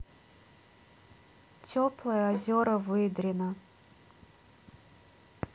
теплые озера выдрино